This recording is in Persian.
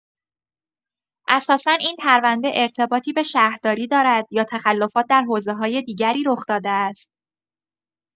اساسا این پرونده ارتباطی به شهرداری دارد یا تخلفات در حوزه‌های دیگری رخ داده است؟